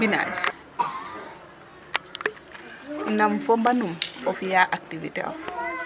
Binage nam fo mbanum o fi'aa activité of?